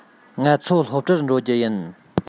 ང ཚོ སློབ གྲྭར འགྲོ རྒྱུ ཡིན